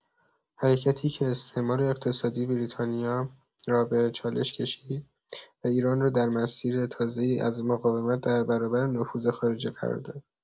حرکتی که استعمار اقتصادی بریتانیا را به چالش کشید و ایران را در مسیر تازه‌ای از مقاومت در برابر نفوذ خارجی قرار داد.